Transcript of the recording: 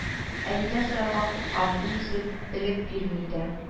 Әнидән сорарга куркам, ул үзе белеп бирми иде